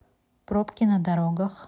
пробки на дорогах